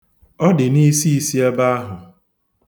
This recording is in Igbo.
Ọ dị n'isiisi ebe ahụ.